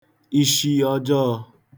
ishi ọjọọ̄